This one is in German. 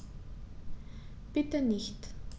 Bitte nicht.